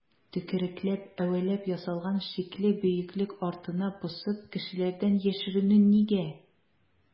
Төкерекләп-әвәләп ясалган шикле бөеклек артына посып кешеләрдән яшеренү нигә?